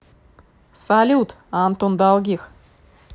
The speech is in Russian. салют антон долгих